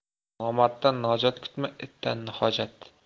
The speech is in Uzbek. nomarddan najot kutma itdan hojat